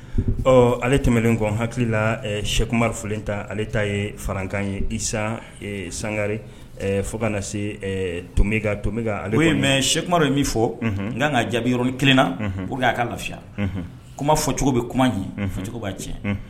Ale tɛmɛnlen ko hakililila sɛkumarifilen ta ale ta ye fararankan ye sangari fo kana na se to to ale mɛ sɛkuma dɔ ye min fɔ n' ka jaabiyɔrɔn kelen na u'a ka lafiya kuma fɔcogo bɛ kuma ɲi fɔcogo b'a tiɲɛ